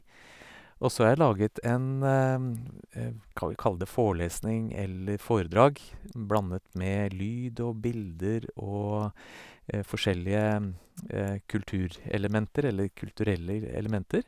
Og så har jeg laget en v kan vi kalle det forelesning eller foredrag, blandet med lyd og bilder og forskjellige kulturelementer eller kulturelle r elementer.